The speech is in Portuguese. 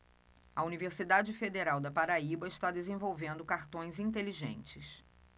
a universidade federal da paraíba está desenvolvendo cartões inteligentes